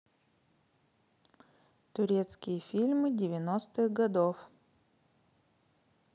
турецкие фильмы девяностых годов